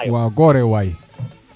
waaw goore waay